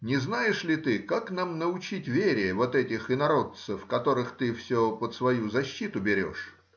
не знаешь ли ты, как нам научить вере вот этих инородцев, которых ты все под свою защиту берешь?